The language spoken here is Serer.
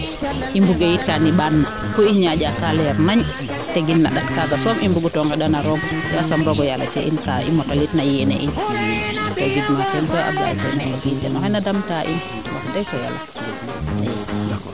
i ɓugee yit kaa neɓaan na ku i ñaaƴa ka leey nañ te gin na ndat kaaga soom i mbugu tegin na ndat kaaga soom i mbugu ngendana roog yasam o roogo yaaloxe a ciya in kaa i motalit na yeene in gid teen koy Ablaye fene aussi o xene naa dam taa in wax deg fa yala